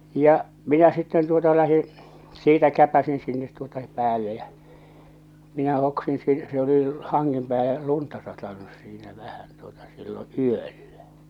ja minä sitten tuota lähdin siitä käpäisin sinne tuota päälle ja minä hoksasin - se oli hangen päälle lunta satanut siinä vähän tuota silloin yöllä